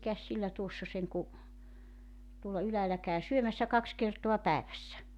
mikäs sillä tuossa sen kuin tuolla ylhäällä käy syömässä kaksi kertaa päivässä